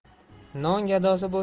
non gadosi bo'lsang